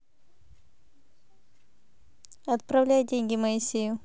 отправляй деньги моисею